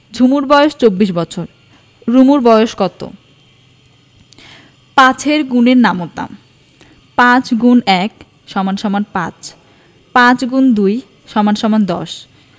ঝুমুর বয়স ২৪ বছর রুমুর বয়স কত ৫ এর গুণের নামতা ৫× ১ = ৫ ৫× ২ = ১০